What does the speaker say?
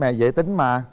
mẹ dễ tính mà